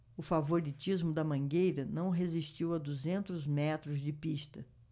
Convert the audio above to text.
o favoritismo da mangueira não resistiu a duzentos metros de pista